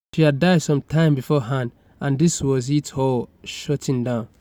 She had died some time before hand and this was it all shutting down.